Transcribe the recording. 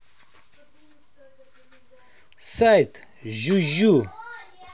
сайт juju